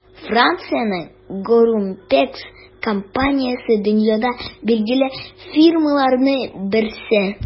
Франциянең Gorimpex компаниясе - дөньяда билгеле фирмаларның берсе.